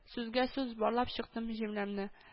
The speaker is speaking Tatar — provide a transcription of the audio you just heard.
Сүзгә-сүз барлап чыктым җөмләмне